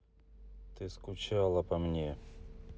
ты скучала по мне